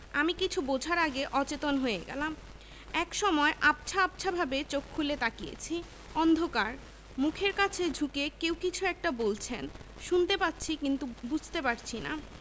আমি কিছু বোঝার আগে অচেতন হয়ে গেলাম একসময় আবছা আবছাভাবে চোখ খুলে তাকিয়েছি অন্ধকার মুখের কাছে ঝুঁকে কেউ কিছু একটা বলছেন শুনতে পাচ্ছি কিন্তু বুঝতে পারছি না